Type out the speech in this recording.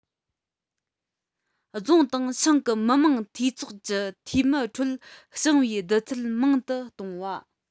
རྫོང དང ཞང གི མི དམངས འཐུས ཚོགས ཀྱི འཐུས མིའི ཁྲོད ཞིང པའི བསྡུར ཚད མང དུ གཏོང བ